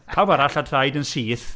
Pawb arall â traed yn syth.